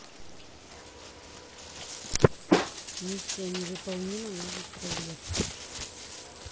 миссия невыполнима новый трейлер